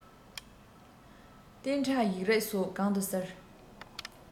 གཏན ཁྲ ཡིག རིགས སོགས གང དུ གསལ